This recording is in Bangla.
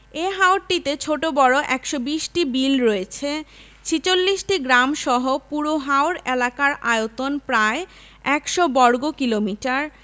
এ হাওরটিতে ছোটবড় ১২০টি বিল রয়েছে ৪৬টি গ্রামসহ পুরো হাওর এলাকার আয়তন প্রায় ১০০ বর্গ কিলোমিটার